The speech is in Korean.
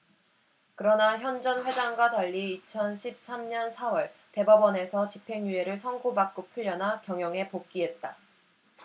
그러나 현 전 회장과 달리 이천 십 삼 년 사 월 대법원에서 집행유예를 선고 받고 풀려나 경영에 복귀했다